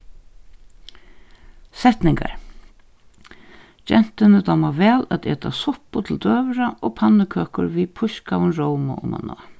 setningar gentuni dámar væl at eta suppu til døgurða og pannukøkur við pískaðum róma omaná